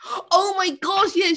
Oh my gosh yeah!